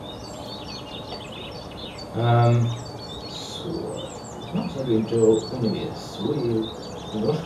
så Ja, så jeg begynte å undervise ho i i norsk.